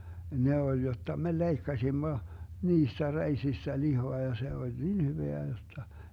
ne oli jotta me leikkasimme niistä reisistä lihaa ja se oli niin hyvää jotta